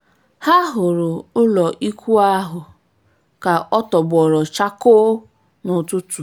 Ha hụrụ ụlọikwu ahụ ka ọ tọgbọrọ chako n'ụtụtụ.